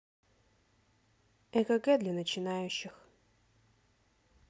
экг для начинающих